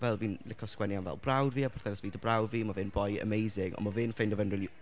fel fi'n licio sgwennu am fel brawd fi a perthynas fi 'da brawd fi. Mae fe'n foi amazing, ond mae fe ffeindio fe'n rili...